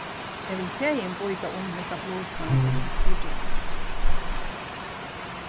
eg vil fegin býta um hesa blusuna eg keypti í gjár